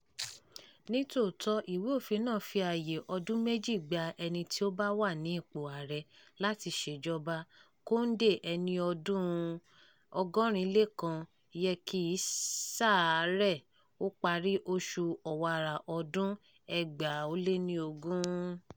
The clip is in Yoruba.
Ní tòótọ́, ìwé-òfin náà fi ààyè ọdún méjì gba ẹni tí ó bá wà ní ipò ààrẹ láti ṣèjọba. Condé, ẹni ọdún 81, yẹ kí sáà rẹ̀ ó parí ní oṣù Ọ̀wàrà ọdún-un 2020.